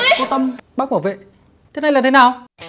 cô tâm bác bảo vệ thế này là thế nào